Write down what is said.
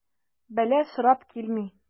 Бәла сорап килми.